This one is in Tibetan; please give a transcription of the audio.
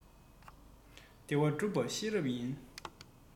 བདེ བ བསྒྲུབ པ ཤེས རབ ཡིན